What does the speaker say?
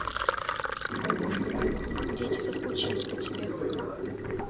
дети соскучились по тебе